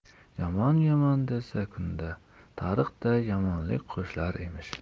yomon yomon desa kunda tariqday yomonlik qo'shilar emish